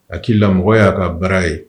Hakili la mɔgɔw y'a ka baara ye